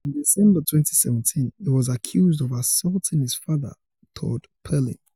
In December 2017, he was accused of assaulting his father, Todd Palin.